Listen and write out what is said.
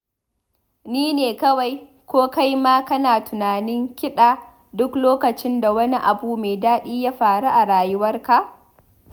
Ni ne kawai ko kai ma kana tunanin kiɗa duk lokacin da wani abu mai daɗi ya faru a ruwarka?